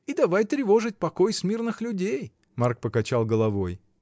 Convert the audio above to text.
И давай тревожить покой смирных людей!. Марк покачал головой.